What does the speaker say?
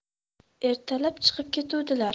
ertalab chiqib ketuvdilar